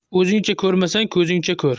o'zingcha ko'rmasang ko'zingcha ko'r